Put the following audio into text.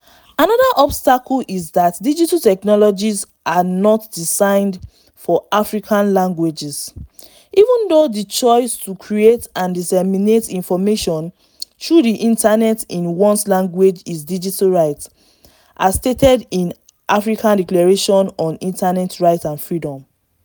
Another obstacle is that digital technologies are not designed for African languages, even though the “choice to create and disseminate information through the internet” in one’s language is digital right, as stated in the African Declaration on Internet Rights and Freedom.